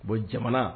Bon jamana